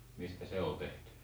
mistä se oli tehty